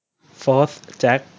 โฟธแจ็ค